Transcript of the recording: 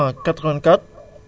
waaw 884